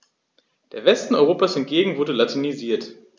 Der Westen Europas hingegen wurde latinisiert.